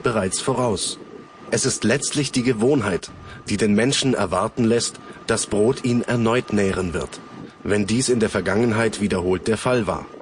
bereits voraus. Es ist letztlich die Gewohnheit (s.o.), die den Menschen erwarten lässt, dass Brot ihn erneut nähren wird, wenn dies in der Vergangenheit wiederholt der Fall war.